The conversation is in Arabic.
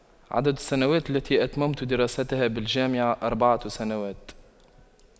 عدد السنوات التي أتممت دراستها بالجامعة أربعة سنوات